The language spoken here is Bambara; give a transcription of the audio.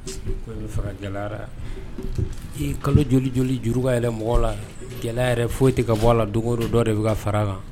Ko in bi fɛ ka gɛlɛya dɛ!. Ee Kalo joli joli juru ka yɛlɛ mɔgɔ la ,.gɛlɛya yɛrɛ foyi tɛ ka bɔ a la don go don dɔ de be ka fara kan.